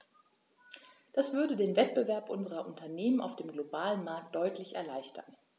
Das würde den Wettbewerb unserer Unternehmen auf dem globalen Markt deutlich erleichtern.